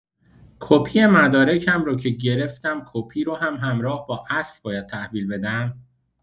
کپی مدارکم رو که گرفتم کپی رو هم همراه با اصل باید تحویل بدم؟